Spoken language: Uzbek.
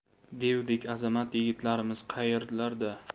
devdek azamat yigitlarimiz qayerlarda